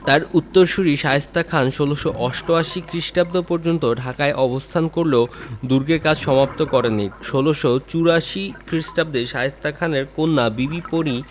তাঁর উত্তরসূরি শায়েস্তা খান ১৬৮৮ খ্রিস্টাব্দ পর্যন্ত ঢাকায় অবস্থান করলেও দুর্গের কাজ সমাপ্ত করেন নি ১৬৮৪ খ্রিস্টাব্দে শায়েস্তা খানের কন্যা বিবি পরী